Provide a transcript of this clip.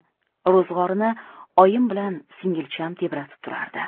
ro'zg'orini oyim bilan singilcham tebratib turardi